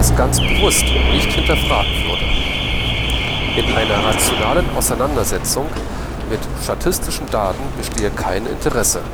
ganz bewusst nicht hinterfragt würde. An einer „ rationalen Auseinandersetzung mit statistischen Daten “bestehe „ kein Interesse